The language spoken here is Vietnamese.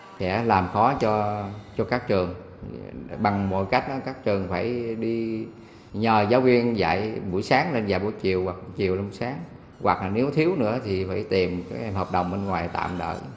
sẽ làm khó cho cho các trường bằng mọi cách các trường phải đi nhờ giáo viên dạy buổi sáng lên dạy buổi chiều quoặc chiều lên sáng quoặc nếu thiếu nữa thì phải tìm các thêm hợp đồng bên ngoài tạm đỡ